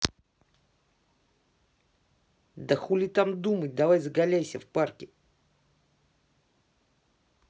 да хули там думать давай заголяйся в парке